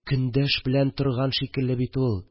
Көндәш белән торган шикелле бит ул